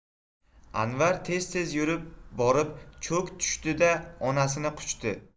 anvar tez tez yurib borib cho'k tushdi da onasini quchdi